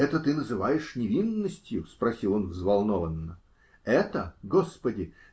-- Это ты называешь невинностью?! -- спросил он взволнованно. -- Это? Господи!